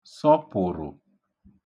sọpụ̀rụ̀